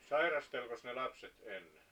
sairastelikos ne lapset ennen